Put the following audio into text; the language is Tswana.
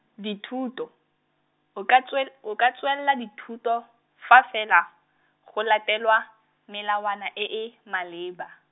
dithoto, o ka tse, o ka tseelwa dithoto, fa fela, go latelwa melawana e e maleba.